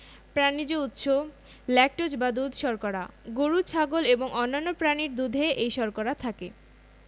প্রানিজ উৎস ল্যাকটোজ বা দুধ শর্করা গরু ছাগল এবং অন্যান্য প্রাণীর দুধে এই শর্করা থাকে